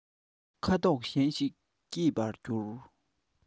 ཁ དོག གཞན ཞིག སྐྱེ བར འགྱུར